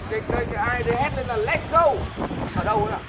cái kênh ai đây hét lên là lét gâu ở đâu đấy ạ